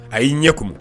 A y'i ɲɛ kun